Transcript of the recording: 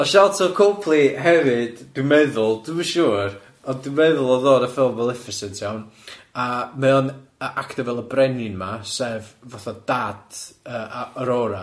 O'dd Sharlto Copley hefyd, dw i'n meddwl, dw i'm yn siŵr, ond dw i'n meddwl o'dd o'n y ffilm Maleficent, iawn? A mae o'n yy actio fel y brenin 'ma, sef fatha dad yy A- Aurora.